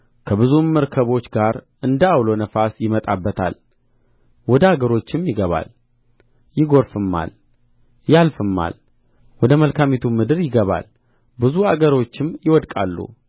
ከብዙም መርከቦች ጋር እንደ ዐውሎ ነፋስ ይመጣበታል ወደ አገሮችም ይገባል ይጐርፍማል ያልፍማል ወደ መልካሚቱም ምድር ይገባል ብዙ አገሮችም ይወድቃሉ